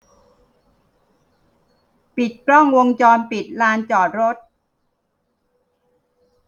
ปิดกล้องวงจรปิดลานจอดรถ